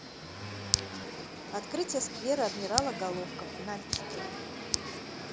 открытие сквера адмирала головко в нальчике